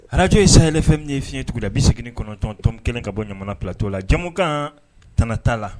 Arajo ye sayɛlɛfɛn min ye fiɲɛɲɛuguda bɛ segin kɔnɔntɔntɔnm kelen ka bɔ jamana ptɔo la jamukan tta la